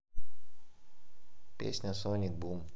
песня sonic boom